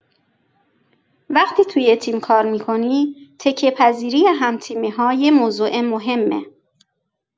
وقتی توی یه تیم کار می‌کنی، تکیه‌پذیری هم‌تیمی‌ها یه موضوع مهمه.